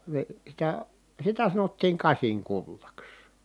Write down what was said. - sitä sitä sanottiin kasinkullaksi